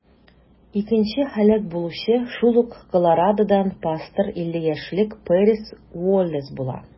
Икенче һәлак булучы шул ук Колорадодан пастор - 52 яшьлек Пэрис Уоллэс була.